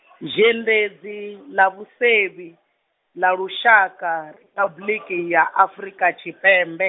Dzhendedzi ḽa vhusevhi, ḽa Lushaka Riphabuḽiki ya Afrika Tshipembe.